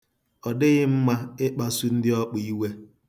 Ọ dịghị mma ịkpasu ndị ọkpụ iwe.